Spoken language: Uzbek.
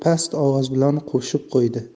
past ovoz bilan qo'shib qo'ydi